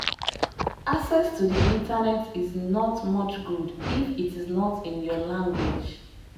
Access to the Internet is not much good if it's not in your language!